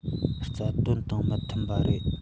རྩ དོན དང མི མཐུན པ རེད